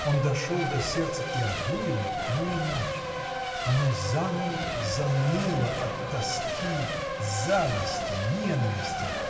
Он дошел до сердца и Адуева, но иначе оно замерло заныло от тоски зависти ненависти